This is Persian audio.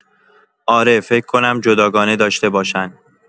اره فکر کنم جداگانه داشته باشن